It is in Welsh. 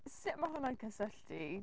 Sut ma' hwnna'n cysylltu?